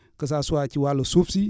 que ça soit ci wàllu suuf si